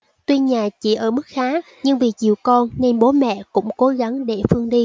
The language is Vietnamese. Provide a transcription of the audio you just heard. tuy nhà chỉ ở mức khá nhưng vì chiều con nên bố mẹ cũng cố gắng để phương đi